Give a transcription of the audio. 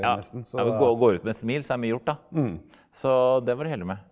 ja vi gå går ut med smil så er mye gjort da, så det var de heldige med.